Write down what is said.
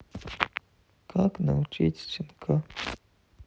как научить щенка